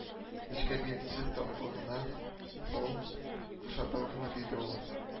- нечкәбил, сез татлы гына бал ашадыгызмы?-диде ул